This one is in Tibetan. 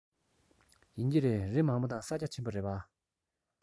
ཡོད ཀྱི རེད རི མང པོ དང ས རྒྱ ཆེན པོ རེད པ